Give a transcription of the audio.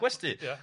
Gwesty. Ia.